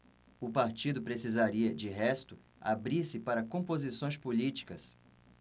o partido precisaria de resto abrir-se para composições políticas